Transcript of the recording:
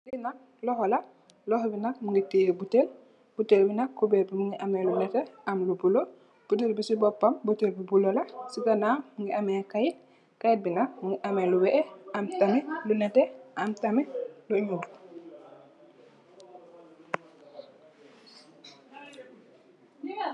Li nak loxo la loxo bi nak mogi tiyeh botale botale bi nak kuberr bi mogi am lu nete am lu bulo botale bi si bobam botale bu bulo la ci gawam mogi ame keyt keyt bu weex am tamit lu netex am tamit lu nuul.